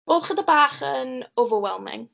Oedd ychydig bach yn overwhelming.